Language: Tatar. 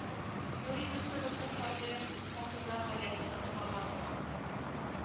Нури дустыбызның фатирын Таһирлар гаиләсе сатып алган булган